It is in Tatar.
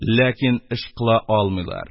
Ләкин эш кыла алмыйлар,